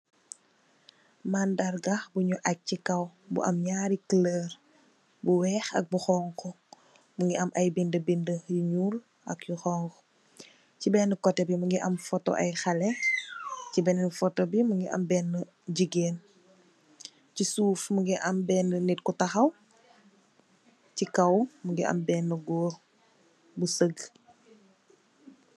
Mandarga bi ñu ajj si know, mu am ñaari, kuloor, bu weex, ak bi xonxu. Mu ngi am ay Binda binda yu weex ak you xonxu. Ci been kotte bi mu ngi am ay fotto xalé, si been foto bi, mu ngi am jigeen. Ci suuf, mu ngi am been nit ku taxaw. Ci know, mu ngi am beenë góor, mu ngi sëggë